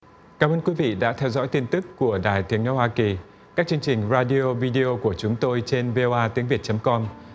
cám ơn quý vị đã theo dõi tin tức của đài tiếng nói hoa kỳ các chương trình ra đi ô vi đê ô của chúng tôi trên vê ô a tiếng việt chấm com